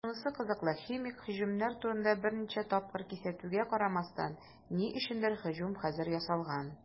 Шунысы кызыклы, химик һөҗүмнәр турында берничә тапкыр кисәтүгә карамастан, ни өчендер һөҗүм хәзер ясалган.